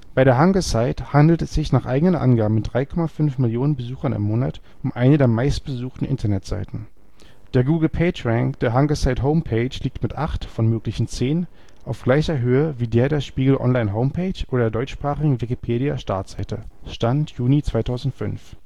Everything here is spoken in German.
Bei der Hungersite handelt es sich nach eigenen Angaben mit 3,5 Millionen Besuchern im Monat um eine der meistbesuchten Internetseiten. Der Google-PageRank der Hungersite-Homepage liegt mit 8 (von möglichen 10) auf gleicher Höhe wie der der Spiegel-Online-Homepage oder der deutsprachigen Wikipedia-Startseite (Stand: Juni 2005